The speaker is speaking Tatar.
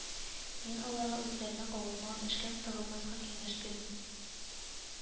Мин аларга үзләренә кагылмаган эшкә тыгылмаска киңәш бирдем